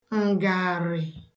ǹgàrị̀